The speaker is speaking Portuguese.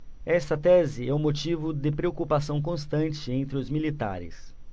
esta tese é motivo de preocupação constante entre os militares